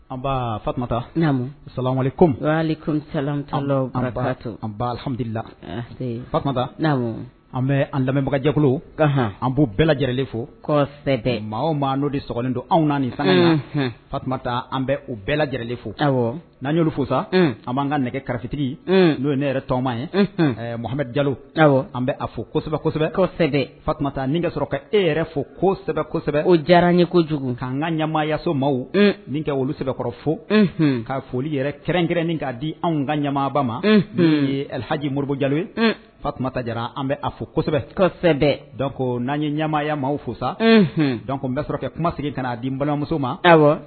Fata sa kohamila an bɛ an lamɛnbagajɛkulu an b'o bɛɛ lajɛlenlen fo kosɛbɛ maa maa n'o de sɔ don anw nan san fa taa an bɛ o bɛɛ lajɛlenlen fo'an y'olu fosa an b'an ka nɛgɛ karafetigi n'o ye ne yɛrɛ tɔma ye muha ja an bɛ fɔ kosɛbɛsɛbɛsɛ ka sɔrɔ e yɛrɛ fo kosɛbɛsɛbɛ o diyara an ye ko kojugu ka an ka ɲama yasoma nin ka olu sɛbɛnbɛkɔrɔ fo ka foli yɛrɛ kɛrɛnkɛrɛnnen k'a di anw ka ɲamaba ma alilhaji moribu jalo ye fata jara an bɛ a fɔ kosɛbɛsɛ n'an ye ɲamaya maaw fosa dɔn bɛ sɔrɔ kɛ kuma seginna ka'a di balimamuso ma